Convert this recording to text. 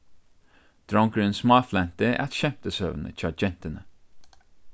drongurin smáflenti at skemtisøguni hjá gentuni